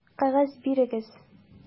Кәгазь бирегез!